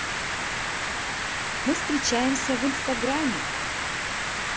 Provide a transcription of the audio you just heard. мы встречаемся в инстаграме